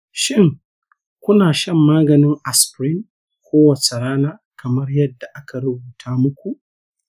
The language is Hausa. shin, kuna shan maganin aspirin kowace rana kamar yadda aka rubuta muku?